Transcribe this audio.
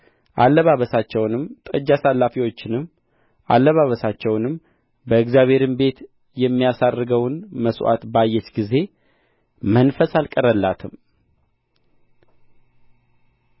አለባበሳቸውንም ጠጅ አሳላፊዎቹንም አለባበሳቸውንም በእግዚአብሔርም ቤት የሚያሳርገውን መሥዋዕት ባየች ጊዜ መንፈስ አልቀረላትም